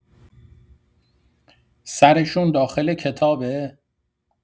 سرشون داخل کتابه؟